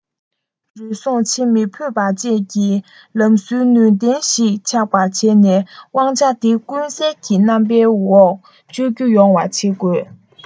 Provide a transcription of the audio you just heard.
རུལ སུངས བྱེད མི ཕོད པ བཅས ཀྱི ལམ སྲོལ ནུས ལྡན ཞིག ཆགས པར བྱས ནས དབང ཆ དེ ཀུན གསལ གྱི རྣམ པའི འོག སྤྱོད རྒྱུ ཡོང བ བྱེད དགོས